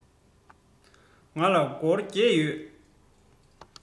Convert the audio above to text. ང ལ སྒོར བརྒྱད ཡོད